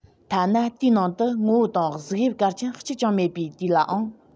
ཐ ན དེའི ནང དུ ངོ བོ དང གཟུགས དབྱིབས གལ ཆེན གཅིག ཀྱང མེད པའི དུས ལའང